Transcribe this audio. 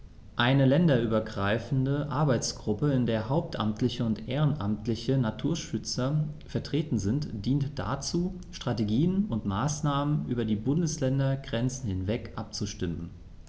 Eine länderübergreifende Arbeitsgruppe, in der hauptamtliche und ehrenamtliche Naturschützer vertreten sind, dient dazu, Strategien und Maßnahmen über die Bundesländergrenzen hinweg abzustimmen.